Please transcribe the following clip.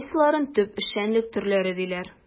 Кайсыларын төп эшчәнлек төрләре диләр?